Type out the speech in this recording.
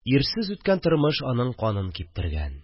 Ирсез үткән тормыш аның канын киптергән